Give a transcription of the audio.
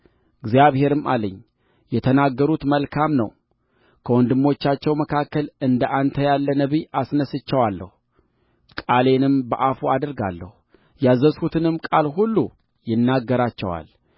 እግዚአብሔርም አለኝ የተናገሩት መልካም ነው ከወንድሞቻቸው መካከል እንደ አንተ ያለ ነቢይ አስነሣላቸዋለሁ ቃሌንም በአፉ አደርጋለሁ ያዘዝሁትንም ቃል ሁሉ ይነግራቸዋል